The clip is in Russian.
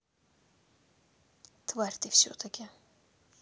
тварь ты все таки